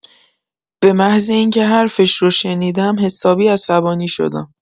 به محض اینکه حرفش رو شنیدم، حسابی عصبانی شدم.